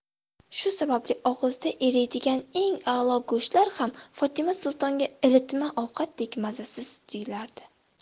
shu sababli og'izda eriydigan eng alo go'shtlar ham fotima sultonga ilitma ovqatdek mazasiz tuyulardi